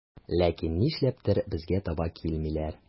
Ләкин нишләптер безгә таба килмиләр.